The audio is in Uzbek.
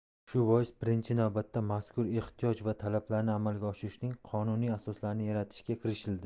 shu bois birinchi navbatda mazkur ehtiyoj va talablarni amalga oshirishning qonuniy asoslarini yaratishga kirishildi